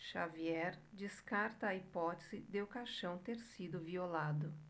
xavier descarta a hipótese de o caixão ter sido violado